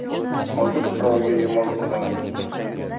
hozir birovga yomon odam